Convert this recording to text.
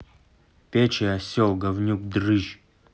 пече осел говнюк дрыщ